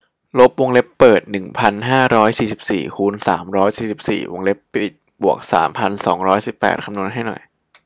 ลบวงเล็บเปิดหนึ่งพันห้าร้อยสี่สิบสี่คูณสามร้อยสี่สิบสี่วงเล็บปิดบวกสามพันสองร้อยสิบแปดคำนวณให้หน่อย